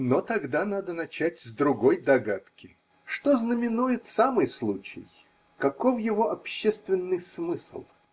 Но тогда надо начать с другой догадки: что знаменует самый случай, каков его общественный смысл?